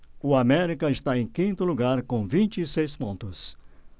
o américa está em quinto lugar com vinte e seis pontos